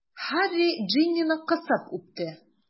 Һарри Джиннины кысып үпте.